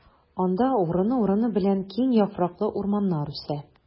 Анда урыны-урыны белән киң яфраклы урманнар үсә.